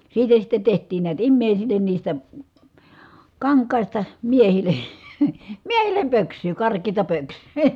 siitä sitten tehtiin näet ihmisille niistä kankaista miehille miehille pöksyä karkeata pöksyä